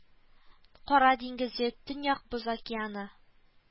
Кара диңгезе, Төньяк Боз океаны